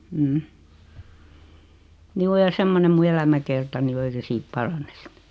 mm juu ja semmoinen minun elämäkertani on ei se siitä parane sitten